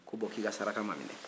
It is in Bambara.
ko bɔn k'i ka saraka ma minɛ